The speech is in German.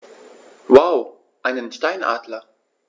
Wow! Einen Steinadler?